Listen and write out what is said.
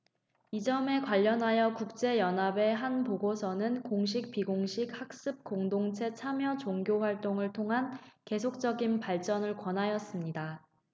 이 점과 관련하여 국제 연합의 한 보고서는 공식 비공식 학습 공동체 참여 종교 활동을 통한 계속적인 발전을 권하였습니다